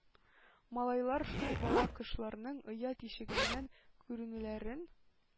Малайлар шул бала кошларның оя тишегеннән күренүләрен